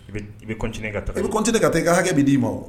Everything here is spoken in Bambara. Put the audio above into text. I i bɛtinin ka taa i bɛ cotigi ka taa hakɛ bɛ d'i ma